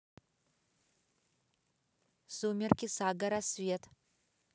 сумерки сага рассвет